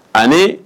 A